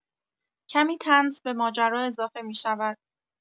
کمی طنز به ماجرا اضافه می‌شود.